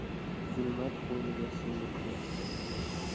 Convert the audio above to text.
zulmat qo'yniga singib ketdi